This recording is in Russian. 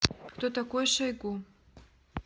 кто такой шойгу